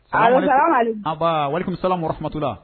Allo salamalekun, an ba walekum Salam warahatula